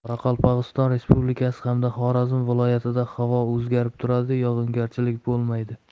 qoraqalpog'iston respublikasi hamda xorazm viloyatida havo o'zgarib turadi yog'ingarchilik bo'lmaydi